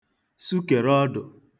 sukère ọ̀dụ̀